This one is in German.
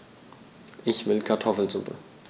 Ich will Kartoffelsuppe.